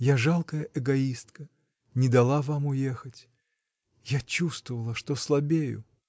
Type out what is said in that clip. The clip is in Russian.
Я жалкая эгоистка: не дала вам уехать! Я чувствовала, что слабею.